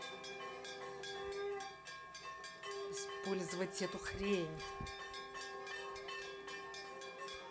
использовать это хрень